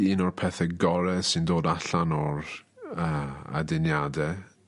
Un o'r pethe gore sy'n dod allan o'r yy aduniade